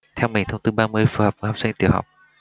theo mình thông tư ba mươi phù hợp học sinh tiểu học